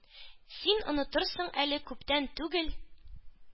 Син онтырсың әле күптән түгел